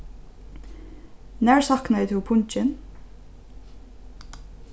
nær saknaði tú pungin